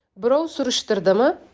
birov surishtirdimi